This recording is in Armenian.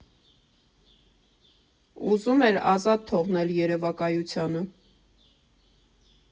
Ուզում էր ազատ թողնել երևակայությանը։